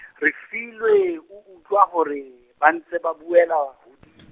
Refilwe, o utlwa hore, ba ntse ba buela hodi-.